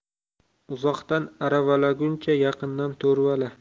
uzoqdan aravalaguncha yaqindan to'rvala